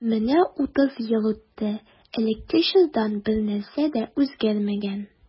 Менә утыз ел үтте, элекке чордан бернәрсә дә үзгәрмәгән.